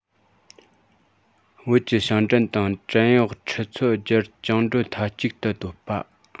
བོད ཀྱི ཞིང བྲན དང བྲན གཡོག ཁྲི ཚོ བརྒྱར བཅིངས འགྲོལ མཐའ གཅིག ཏུ ཐོབ པ